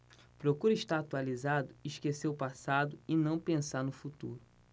procuro estar atualizado esquecer o passado e não pensar no futuro